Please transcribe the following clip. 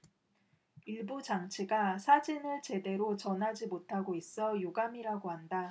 일부 장치가 사진을 제대로 전하지 못하고 있어 유감이라고 한다